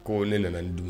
Ko ne nana dugu